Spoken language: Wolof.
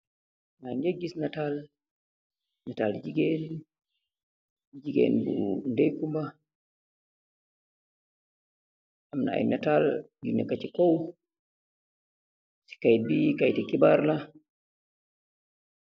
Mangeh kess natal, natal bu jigeen , jigeen bu ndeygumba , amna ayy natal yu nekah si kow , kett bi , kett ti hebarr la .